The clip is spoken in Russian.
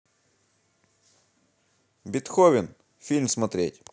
бетховен фильм смотреть